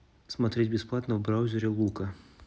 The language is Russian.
смотреть бесплатно в браузере луко